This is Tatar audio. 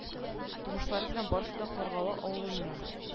Тумышлары белән барысы да каргалы авылыннан